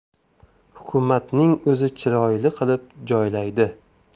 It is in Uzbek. hukumatning o'zi chiroyli qilib joylaydi